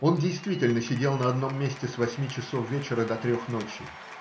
Он действительно сидел на одном месте с восьми часов вечера до трех ночи.